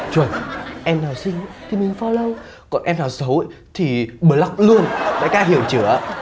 chuẩn em nào xinh ý thì mình pho lâu còn em nào xấu thì bờ lóc luôn đại ca hiểu chửa